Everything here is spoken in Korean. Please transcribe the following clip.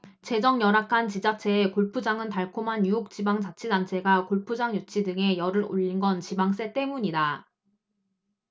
재정 열악한 지자체에 골프장은 달콤한 유혹지방자치단체가 골프장 유치 등에 열을 올린 건 지방세 때문이다